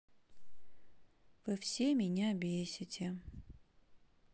вы все меня бесите